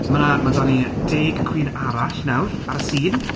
Ma' 'na... ma' 'da ni deg cwîn arall nawr ar y sîn.